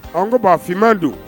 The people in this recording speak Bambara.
An ko bon a finman dun?